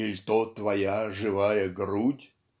иль то твоя живая грудь?"